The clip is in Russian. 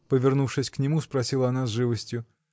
— повернувшись к нему, спросила она с живостью.